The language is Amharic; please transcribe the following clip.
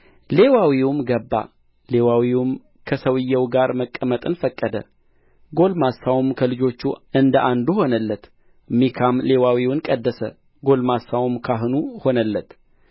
ሌዋዊውም ገባ ሌዋዊውም ከሰውዮው ጋር መቀመጥን ፈቀደ ጕልማሳውም ከልጆቹ እንደ አንዱ ሆነለት ሚካም ሌዋዊውን ቀደሰ ጕልማሳውም ካህኑ ሆነለት